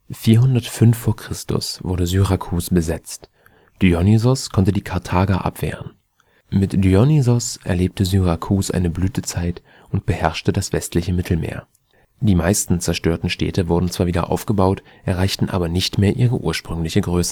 405 v. Chr. wurde Syrakus besetzt. Dionysios konnte die Karthager abwehren. Mit Dionysios erlebte Syrakus eine Blütezeit und beherrschte das westliche Mittelmeer. Die meisten zerstörten Städte wurden zwar später wieder aufgebaut, erreichten aber nicht mehr ihre ursprüngliche Größe